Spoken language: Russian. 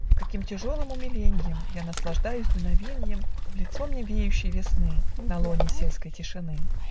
С каким тяжелым умиленьем Я наслаждаюсь дуновеньем В лицо мне веющей весны На лоне сельской тишины!